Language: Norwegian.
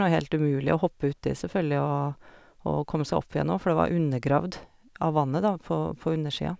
Og helt umulig å hoppe uti, selvfølgelig, og og å komme seg opp igjen òg, for det var undergravd av vannet, da, på på undersia.